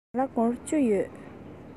ང ལ སྒོར བཅུ ཡོད